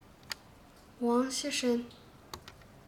ཝང ཆི ཧྲན